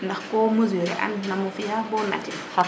ndax ko mesurer an namo fina bo natin